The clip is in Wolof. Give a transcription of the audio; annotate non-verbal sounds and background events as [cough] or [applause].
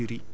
[hesitation] [hesitation]